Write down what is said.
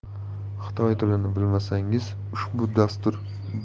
xitoy tilini bilmasangiz ushbu dastur bir yillik